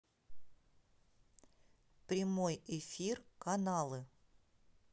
прямой эфир каналы